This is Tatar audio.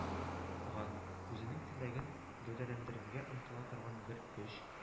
Ган, үзенең теләген гәүдәләндерергә омтыла торган бер көч